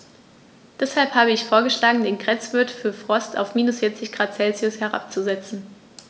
Deshalb habe ich vorgeschlagen, den Grenzwert für Frost auf -40 ºC herabzusetzen.